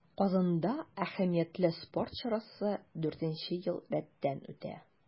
Казанда әһәмиятле спорт чарасы дүртенче ел рәттән үтә.